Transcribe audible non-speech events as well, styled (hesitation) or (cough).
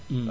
(hesitation)